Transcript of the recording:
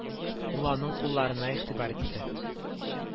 Ул аның кулларына игътибар итте